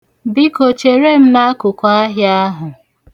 Biko, chere m n'akụkụ ahịa ahụ.